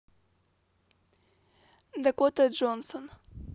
дакота джонсонс